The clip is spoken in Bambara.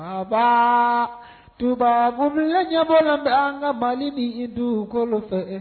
Baba tumab ɲɛbɔ bɛ an ka mali ni i duurukolo fɛ